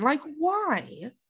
like why?